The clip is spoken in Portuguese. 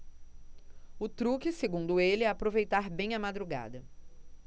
o truque segundo ele é aproveitar bem a madrugada